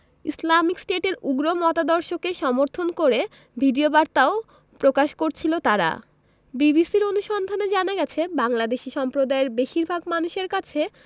Islamic স্টেটের উগ্র মতাদর্শকে সমর্থন করে ভিডিওবার্তাও প্রকাশ করছিল তারা বিবিসির অনুসন্ধানে জানা গেছে বাংলাদেশি সম্প্রদায়ের বেশির ভাগ মানুষের কাছে